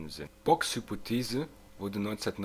sind. Boks Hypothese wurde 1990